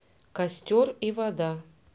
костер и вода